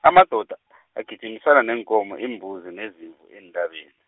amadoda , agijimisana neenkomo, iimbuzi, nezimvu, eentabeni.